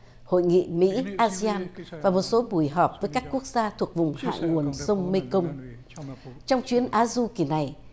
hội nghị mỹ a si an và một số buổi họp với các quốc gia thuộc vùng hạ nguồn sông mê công trong chuyến á du kỳ này